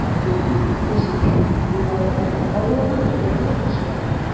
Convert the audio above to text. Безнең Сеҗегә Югары Утар авылыннан килен булып төшкән ул.